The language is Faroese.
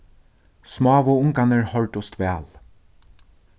smáu ungarnir hoyrdust væl